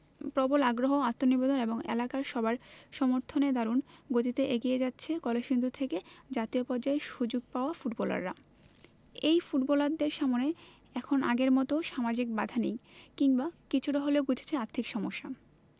প্রবল আগ্রহ আত্মনিবেদন এবং এলাকার সবার সমর্থনে দারুণ গতিতে এগিয়ে যাচ্ছে কলসিন্দুর থেকে জাতীয় পর্যায়ে সুযোগ পাওয়া ফুটবলাররা এই ফুটবলারদের সামনে এখন আগের মতো সামাজিক বাধা নেই কিংবা কিছুটা হলেও ঘুচেছে আর্থিক সমস্যা